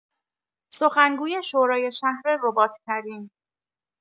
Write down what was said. سخنگوی شورای شهر رباط‌کریم